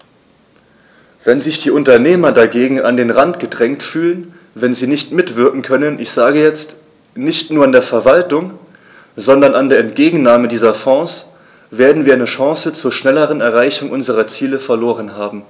Wenn sich die Unternehmer dagegen an den Rand gedrängt fühlen, wenn sie nicht mitwirken können ich sage jetzt, nicht nur an der Verwaltung, sondern an der Entgegennahme dieser Fonds , werden wir eine Chance zur schnelleren Erreichung unserer Ziele verloren haben.